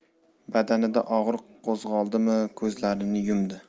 badanida og'riq qo'zg'oldimi ko'zlarini yumdi